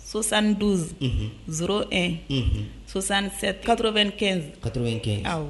72 unhun 01 unhun 67 95 95 awɔ